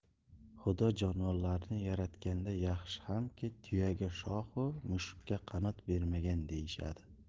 xudo jonivorlarni yaratganda yaxshi hamki tuyaga shoxu mushukka qanot bermagan deyishadi